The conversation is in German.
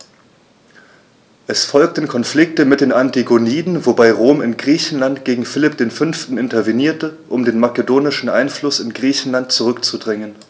Es folgten Konflikte mit den Antigoniden, wobei Rom in Griechenland gegen Philipp V. intervenierte, um den makedonischen Einfluss in Griechenland zurückzudrängen.